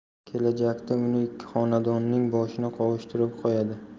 kelajakda uni ikki xonadonning boshini qovushtirib qo'yadi